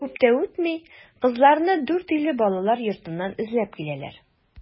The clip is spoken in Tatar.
Күп тә үтми кызларны Дүртөйле балалар йортыннан эзләп киләләр.